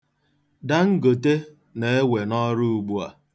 Dangote na-ewe n'ọrụ ugbu a.